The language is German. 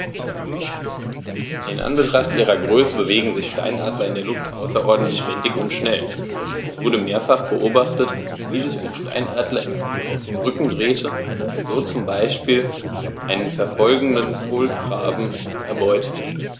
In Anbetracht ihrer Größe bewegen sich Steinadler in der Luft außerordentlich wendig und schnell, so wurde mehrfach beobachtet, wie sich ein Steinadler im Flug auf den Rücken drehte und so zum Beispiel einen verfolgenden Kolkraben erbeutete.